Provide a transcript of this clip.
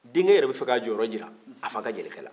denkɛ yɛrɛ b'a fɛ ka jɔyɔrɔ jira a fa ka jelikɛ la